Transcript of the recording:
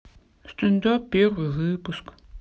стендап первый выпуск